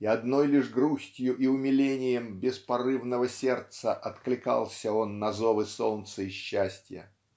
и одной лишь грустью и умилением беспорывного сердца откликался он на зовы солнца и счастья.